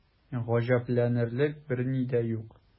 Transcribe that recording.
Гаҗәпләнерлек берни дә юк.